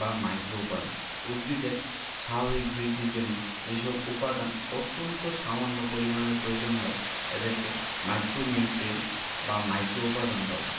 বা মাইক্রোউপাদান উদ্ভিদের স্বাভাবিক বৃদ্ধির জন্য যেসব উপাদান অত্যন্ত সামান্য পরিমাণে প্রয়োজন হয় তাদেরকে মাইক্রোনিউট্রিয়েন্ট বা মাইক্রোউপাদান বলে